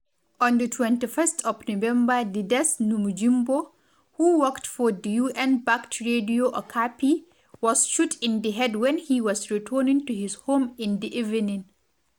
On the 21st of November Didace Namujimbo, who worked for the UN-backed Radio Okapi, was shot in the head when he was returning to his home in the evening.